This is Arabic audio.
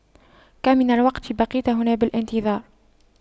كم من الوقت بقيت هنا بالانتظار